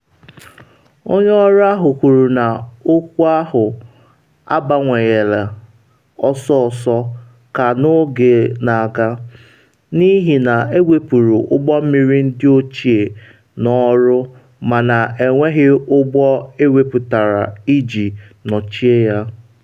Onye ọrụ ahụ kwuru na okwu ahụ abawanyela ọsọọsọ ka n’oge na-aga, n’ihi na ewepụrụ ụgbọ mmiri ndị ochie n’ọrụ mana enweghị ụgbọ ewepụtara iji nọchie ha.